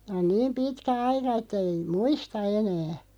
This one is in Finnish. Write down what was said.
on niin pitkä aika että ei muista enää